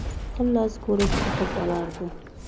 xullas ko'rib uqib olardi